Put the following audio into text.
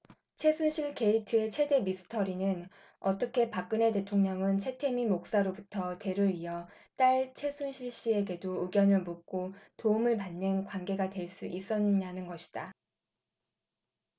최순실 게이트의 최대 미스터리는 어떻게 박근혜 대통령은 최태민 목사로부터 대를 이어 딸 최순실씨에게도 의견을 묻고 도움을 받는 관계가 될 수 있었느냐는 것이다